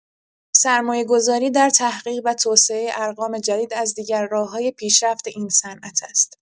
سرمایه‌گذاری در تحقیق و توسعه ارقام جدید از دیگر راه‌های پیشرفت این صنعت است.